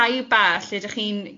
saib bach